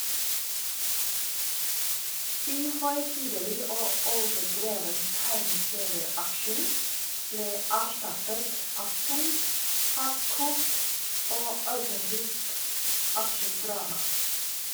Uhøytidelig og overdreven tegneserieaction ble erstattet av tungt, hardkokt og autentisk action-drama.